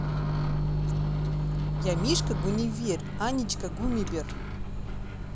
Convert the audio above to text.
я мишка гунивер анечка гумибер